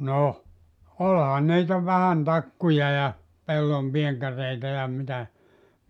no olihan niitä vähän takkuja ja pellonpientareita ja mitä